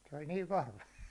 se oli niin vahva